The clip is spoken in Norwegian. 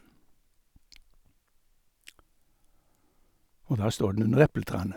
Og der står den under epletrærne.